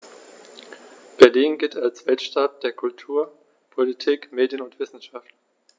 Berlin gilt als Weltstadt der Kultur, Politik, Medien und Wissenschaften.